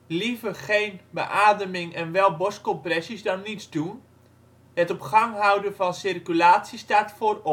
liever geen beademing en wel borstcompressies dan niets doen, het op gang houden van circulatie staat voorop